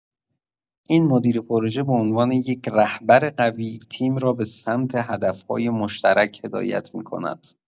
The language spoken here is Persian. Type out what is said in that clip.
این مدیر پروژه به‌عنوان یک رهبر قوی، تیم را به سمت هدف‌های مشترک هدایت می‌کند.